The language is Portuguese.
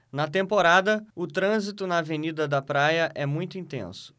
na temporada o trânsito na avenida da praia é muito intenso